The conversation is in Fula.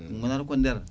gonata ko nder